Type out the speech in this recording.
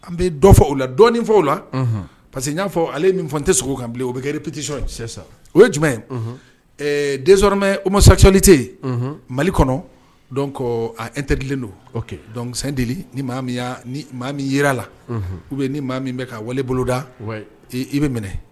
An bɛ dɔ fɔ u la dɔnɔni fɔw la parce que n y'a fɔ ale ni fɔ tɛ sogo kan bilen u bɛripti o ye jumɛn ye denmɛ o ma sacli tɛ yen mali kɔnɔ ko n tɛd don dɔn sandi ni maa min jira la u bɛ ni maa min bɛ ka wale bolo da i bɛ minɛ